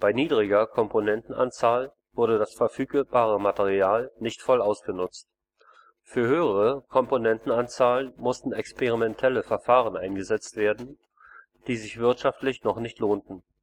niedriger Komponentenanzahl wurde das verfügbare Material nicht voll ausgenutzt, für höhere Komponentenanzahlen mussten experimentelle Verfahren eingesetzt werden, die sich wirtschaftlich noch nicht lohnten